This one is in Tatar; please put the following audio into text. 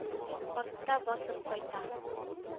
Артта басып кайта.